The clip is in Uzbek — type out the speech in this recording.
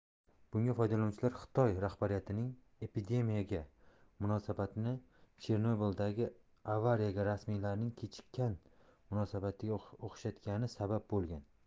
bunga foydalanuvchilar xitoy rahbariyatining epidemiyaga munosabatini chernobildagi avariyaga rasmiylarning kechikkan munosabatiga o'xshatgani sabab bo'lgan